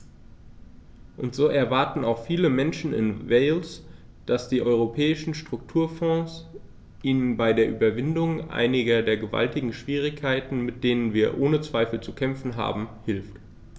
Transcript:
Und so erwarten auch viele Menschen in Wales, dass die Europäischen Strukturfonds ihnen bei der Überwindung einiger der gewaltigen Schwierigkeiten, mit denen wir ohne Zweifel zu kämpfen haben, hilft.